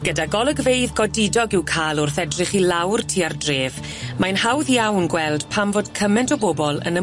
Gyda golygfeydd godidog i'w ca'l wrth edrych i lawr tua'r dref mae'n hawdd iawn gweld pam fod cyment o bobol yn